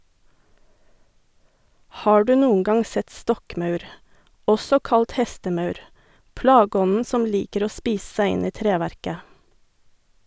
Har du noen gang sett stokkmaur, også kalt hestemaur, plageånden som liker å spise seg inn i treverket?